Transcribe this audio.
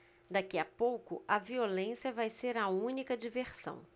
daqui a pouco a violência vai ser a única diversão